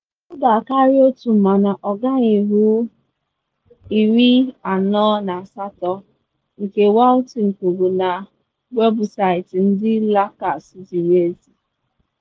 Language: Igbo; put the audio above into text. “Ọ ga-akarị otu mana ọ gaghị eru 48,” nke Walton kwuru na weebụsaịtị ndị Lakers ziri ezi.